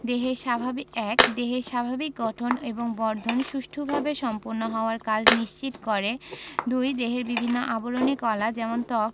১. দেহের স্বাভাবিক গঠন এবং বর্ধন সুষ্ঠুভাবে সম্পন্ন হওয়ার কাজ নিশ্চিত করে ২. দেহের বিভিন্ন আবরণী কলা যেমন ত্বক